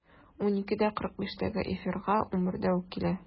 12.45-тәге эфирга 11-дә үк килә.